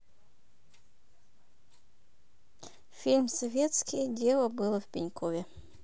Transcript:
фильм советский дело было в пенькове